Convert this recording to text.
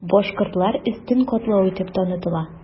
Башкортлар өстен катлау итеп танытыла.